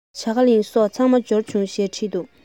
ཇ ག ལི ཚང མ འབྱོར བྱུང